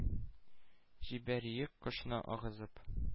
Җибәриек кышны агызып.